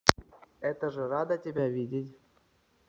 это же рада тебя видеть